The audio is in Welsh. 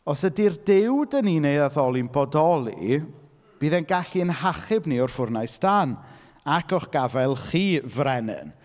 Os ydi'r Duw dan ni'n ei addoli'n bodoli, bydd e'n gallu ein hachub ni o'r ffwrnais dân, ac o'ch gafael chi, Frenin.